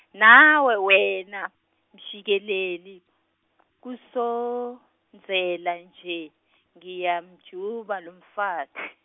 nawe wena, Mshikeleli, kusondzela nje, ngiyamjuba lomfati.